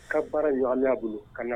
Ka baara ɲakami a bolo , kana